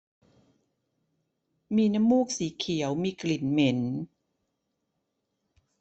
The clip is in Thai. มีน้ำมูกสีเขียวมีกลิ่นเหม็น